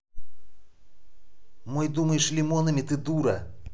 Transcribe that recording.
мой думаешь лимонами ты дура